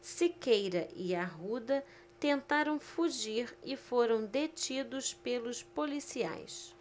siqueira e arruda tentaram fugir e foram detidos pelos policiais